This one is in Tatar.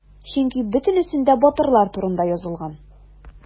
Чөнки бөтенесендә батырлар турында язылган.